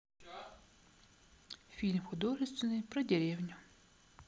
фильм художественный про деревню